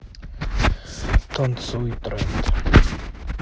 танцуй тренд